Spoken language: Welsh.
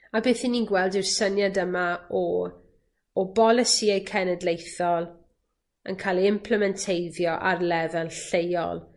a beth 'yn ni'n gweld yw'r syniad yma o o bolisïau cenedlaethol yn cael eu implementeiddio ar lefel lleol.